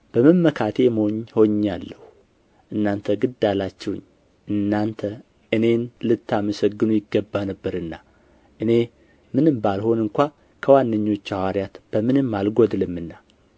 በመመካቴ ሞኝ ሆኜአለሁ እናንተ ግድ አላችሁኝ እናንተ እኔን ልታመሰግኑ ይገባ ነበርና እኔ ምንም ባልሆን እንኳ ከዋነኞቹ ሐዋርያት በምንም አልጎድልምና